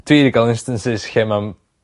dwi 'di ga'l instances lle ma'n